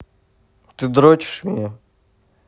ты дрочишь меня